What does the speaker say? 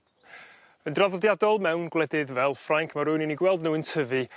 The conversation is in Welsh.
Yn draddodiadol mewn gwledydd fel Ffrainc ma' rywun yn 'u gweld n'w yn tyfu